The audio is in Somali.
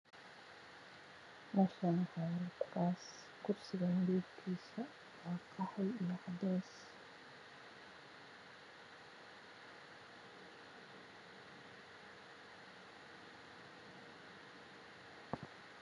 Meshan waxyalo kuras kursiga kalarkis waa qaxwi io cades